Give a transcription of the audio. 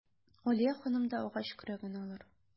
Алия ханым да агач көрәген алыр.